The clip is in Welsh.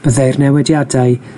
Byddai'r newidiadau